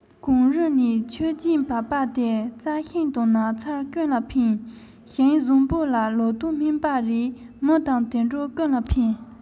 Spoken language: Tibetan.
གངས རི ནས ཆུ རྒྱུན བབས པ དེ རྩྭ ཤིང དང ནགས ཚལ ཀུན ལ ཕན ཞིང བཟང པོ ལ ལོ ཏོག སྨིན པ རེད མི དང དུད འགྲོ ཀུན ལ ཕན